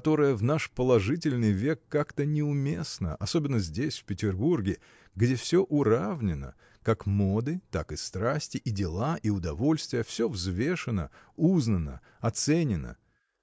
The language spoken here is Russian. которая в наш положительный век как-то неуместна особенно здесь в Петербурге где все уравнено как моды так и страсти и дела и удовольствия все взвешено узнано оценено.